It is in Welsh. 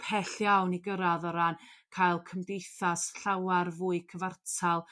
pell iawn i gyrradd o ran ca'l cymdeithas llawer fwy cyfartal